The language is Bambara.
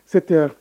7 heures